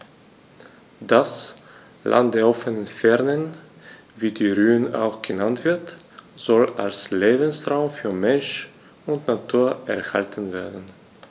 Das „Land der offenen Fernen“, wie die Rhön auch genannt wird, soll als Lebensraum für Mensch und Natur erhalten werden.